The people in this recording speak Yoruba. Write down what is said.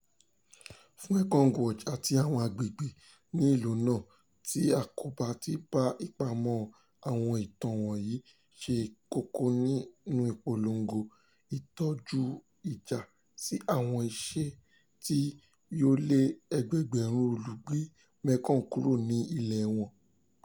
Fún Mekong Watch àti àwọn agbègbè ní ìlú náà tí àkóbá ti bá, ìpamọ́ àwọn ìtàn wọ̀nyí ṣe kókó nínú ìpolongo ìkọjú-ìjà sí àwọn iṣẹ́ tí yóò lé ẹgbẹẹgbẹ̀rún olùgbé Mekong kúrò ní ilée wọn: